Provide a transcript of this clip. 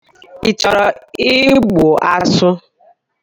Ị chọrọ ịgbụ asụ?